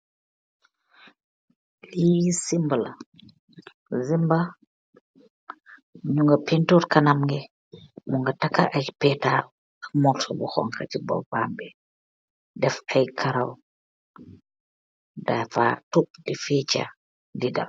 li zembalah , zemba muga pinturr kanaam mamm b bu keex takax aii pextarr ak mosoh bu hoxah si bobamm b , deff aii kowarr dafaii topp di fejax